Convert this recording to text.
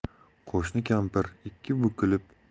qo'shni kampir ikki bukilib